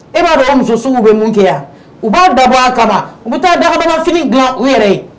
E b'a ye musosiw bɛ mun kɛ yan u b'a dabɔ kama u bɛ taa daba fini g u yɛrɛ ye